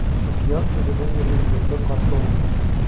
Океан төбенең рельефы катлаулы.